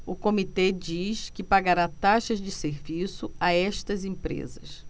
o comitê diz que pagará taxas de serviço a estas empresas